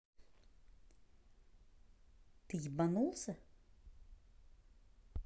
ты ебанулся